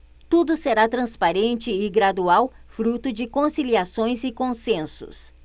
tudo será transparente e gradual fruto de conciliações e consensos